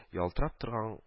Ялтырап торган